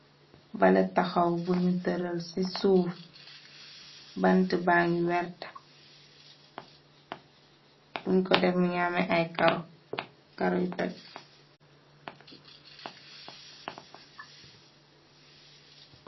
Bale taxaw buñu tëral ci suuf bant ba ngi werta funye ko def mungi am ay karuo.